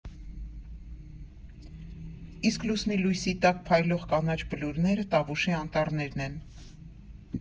Իսկ լուսնի լույսի տակ փայլող կանաչ բլուրները Տավուշի անտառներն են։